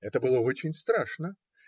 это было очень страшно